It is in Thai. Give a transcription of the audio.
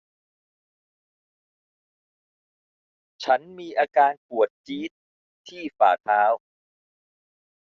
ฉันมีอาการปวดจี๊ดที่ฝ่าเท้า